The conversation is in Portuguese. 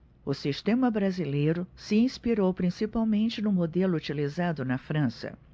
o sistema brasileiro se inspirou principalmente no modelo utilizado na frança